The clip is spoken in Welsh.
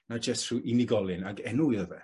na jes rhyw unigolyn ag enw iddo fe.